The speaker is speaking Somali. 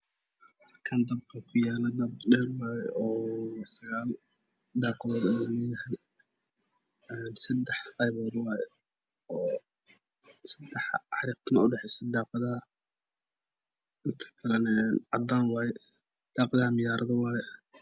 Halkan waxaa kuyalo dabaq dheer oo sagal biyano ah kalar kisi waa cadan daqdana waa miyarad